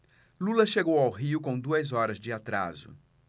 lula chegou ao rio com duas horas de atraso